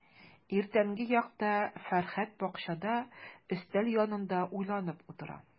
Иртәнге якта Фәрхәт бакчада өстәл янында уйланып утыра.